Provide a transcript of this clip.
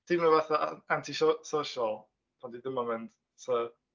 Teimlo fatha anti- so- social pan dwi ddim yn mynd so....